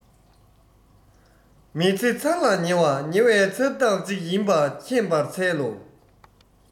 མི ཚེ ཚར ལ ཉེ བ ཉེ བའི ཚབ རྟགས ཅིག ཡིན པ མཁྱེན པར འཚལ ལོ